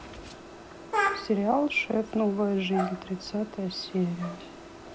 сериал шеф новая жизнь тридцатая серия